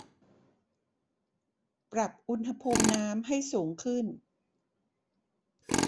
ปรับอุณหภูมิน้ำให้สูงขึ้น